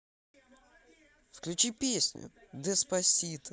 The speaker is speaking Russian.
включи песню деспасито